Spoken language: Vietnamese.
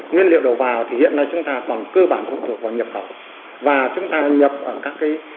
nguyên liệu đầu vào thì hiện nay chúng ta còn cơ bản phụ thuộc vào nhập khẩu và chúng ta nhập ở các cái